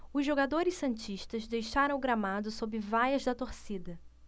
os jogadores santistas deixaram o gramado sob vaias da torcida